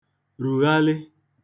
rùghalị